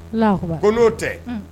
Ko n'o tɛ